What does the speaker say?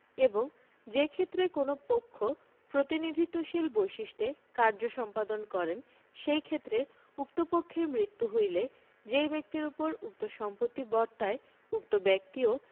এবং যেক্ষেত্রে কোন পক্ষ প্রতিনিধিত্বশীল বৈশিষ্ট্যে কার্য সম্পাদন করেন সেই ক্ষেত্রে উক্ত পক্ষের মৃত্যু হইলে যেই ব্যক্তির উপর উক্ত সম্পত্তি বর্তায় উক্ত ব্যক্তিও